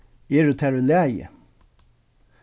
eru tær í lagi